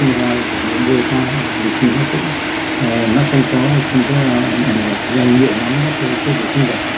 roi để muốn bôi thoa khi nó cũng nó không có không có ảnh hưởng nhiều lắm đó thưa quý vị thính giả